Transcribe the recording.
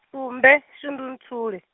sumbe, shundunthule.